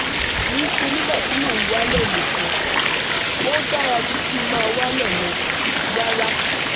Kì í ṣe nígbà tí mò ń walẹ̀ nìkan, ó dára jù kí n máa walẹ̀ lọ, rárá.